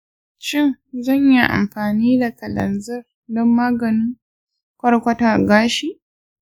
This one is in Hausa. shin zan iya amfani da kalanzir don maganin ƙwarƙwata gashi?